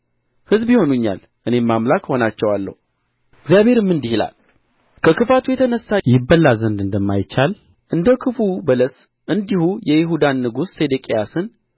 ሕዝብ ይሆኑኛል እኔም አምላክ እሆናቸዋለሁ እግዚአብሔርም እንዲህ ይላል ከክፋቱ የተነሣ ይበላ ዘንድ እንደማይቻል እንደ ክፉው በለስ እንዲሁ የይሁዳን ንጉሥ ሴዴቅያስን